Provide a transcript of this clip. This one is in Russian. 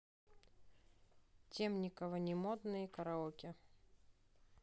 темникова не модные караоке